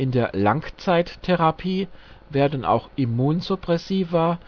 der Langzeittherapie werden auch Immunsuppressiva